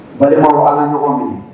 Balima ala ɲɔgɔn minɛ